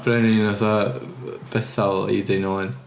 Brenin fatha Bethel i Deiniolen.